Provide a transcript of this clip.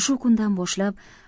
shu kundan boshlab